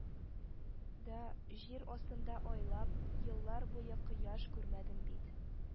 Да, җир астында айлар, еллар буе кояш күрмәдем бит: